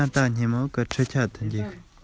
ཁྱིམ གྱི རྒན མོས ཕོར པ ནག པོ ཞིག གི